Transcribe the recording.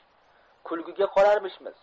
kulgiga qolarmishmiz